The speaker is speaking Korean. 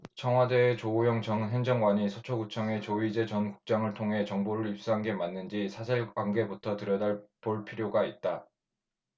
청와대의 조오영 전 행정관이 서초구청의 조이제 전 국장을 통해 정보를 입수한 게 맞는지 사실관계부터 들여다볼 필요가 있다